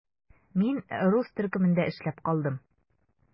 Мин рус төркемендә эшләп калдым.